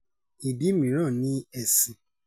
Ìdí mìíràn ni ẹ̀sìn.